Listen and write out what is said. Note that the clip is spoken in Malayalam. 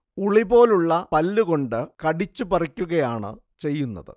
ഉളി പോലുള്ള പല്ലു കൊണ്ട് കടിച്ചു പറിക്കുകയാണ് ചെയ്യുന്നത്